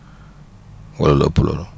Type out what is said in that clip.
wala lu ëpp loolu